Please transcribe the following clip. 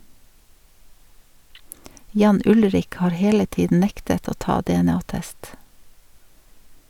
Jan Ullrich har hele tiden nektet å ta DNA-test.